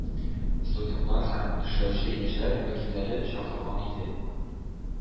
Студентлар һәм эшләүче яшьләр вәкилләре чакырылган иде.